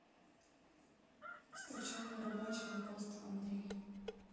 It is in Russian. встречала рыбачил апостол андрей